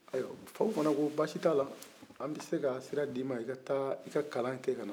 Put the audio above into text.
faw ko basi t'a la an bi se ka sira di ma i ka taa i ka kalan kɛ kana